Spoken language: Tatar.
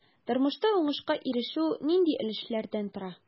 Тормышта уңышка ирешү нинди өлешләрдән тора?